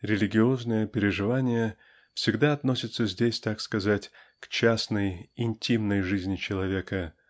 религиозные переживания всегда относятся здесь так сказать к частной интимной жизни человека